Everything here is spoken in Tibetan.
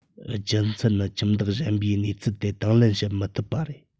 རྒྱུ མཚན ནི ཁྱིམ བདག གཞན པས གནས ཚུལ དེ དང ལེན བྱེད མི ཐུབ པ རེད